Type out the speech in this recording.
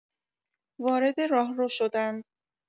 وارد راهرو شدند.